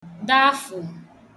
dafụ̀